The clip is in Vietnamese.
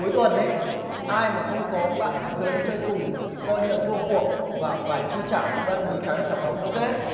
cuối tuần ý ai mà không có bạn khác giới đi chơi cùng thì coi như là thua cuộc và phải chi trả một bữa ăn hoành tráng cho cả phòng ô kê